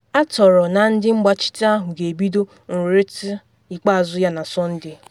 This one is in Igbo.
Atọrọ na ndị mgbachite ahụ ga-ebido nrụrịta ikpeazụ ya na Sọnde.